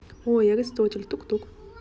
ой аристотель тук тук